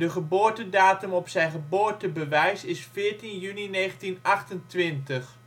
geboortedatum op zijn geboortebewijs is 14 juni 1928. Er